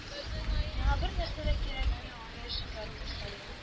– миңа бернәрсә дә кирәкми, – диде шөһрәт турсаеп